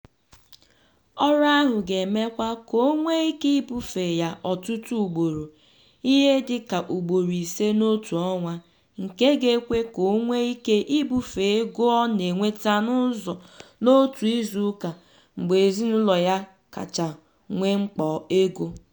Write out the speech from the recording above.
Ọrụ ahụ ga-emekwa ka o nwe ike ibufe ya ọtụtụ ugboro- ihe dị ka ugboro ise n'otu ọnwa - nke ga-ekwe ka o nwe ike ibufe ego ọ na-enweta n'otu izuụka mgbe ezinaụlọ ya kacha nwe mkpa ego.